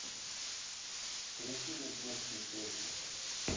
включите лезгинские песни